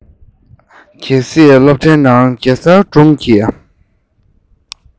གལ སྲིད སློབ གྲྭའི ནང གེ སར